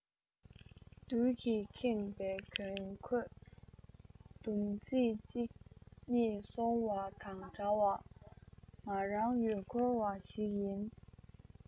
རྡུལ གྱིས ཁེངས པའི གྱོན གོས སྡོམ ཚིག ཅིག རྙེད སོང བ དང འདྲ བ ང རང ཡུལ སྐོར བ ཞིག ཡིན